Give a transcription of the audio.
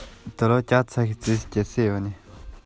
རྒད པོ སྨ ར ཅན དང ང གཉིས